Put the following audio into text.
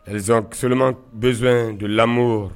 Rizson soman zsonjlamo